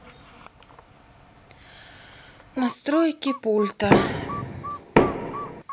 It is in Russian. настройка пульта